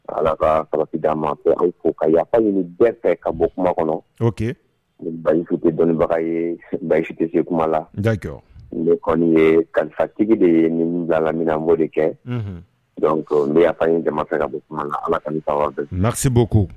Ala ka farafin d' ma fɛ ko ka yafafa ɲini bɛɛ fɛ ka bɔ kuma kɔnɔyisu tɛ dɔnnibaga yeyite se kuma la de kɔni ye kalifatigi de ye ni bɛ lamminabo de kɛ ne y' ye jama fɛ ka bɔ kuma ala ka fɛsibo